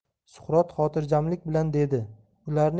suqrot xotirjamlik bilan dedi ularni